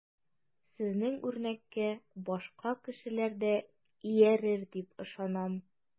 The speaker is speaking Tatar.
Сезнең үрнәккә башка кешеләр дә иярер дип ышанам.